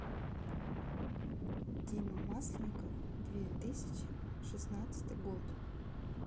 дима масленников две тысячи шестнадцатый год